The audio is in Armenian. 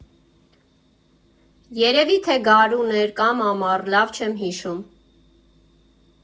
Երևի թե գարուն էր կամ ամառ, լավ չեմ հիշում։